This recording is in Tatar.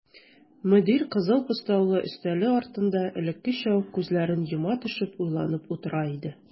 Мөдир кызыл постаулы өстәле артында элеккечә үк күзләрен йома төшеп уйланып утыра иде.